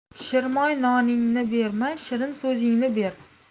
shirmoy noningni berma shirin so'zingni ber